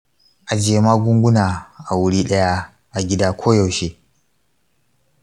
ajiye magunguna a wuri ɗaya a gida koyaushe.